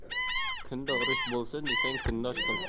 kunda urush bo'lsin desang kundosh qil